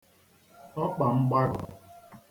ọkpàmgbagọ̀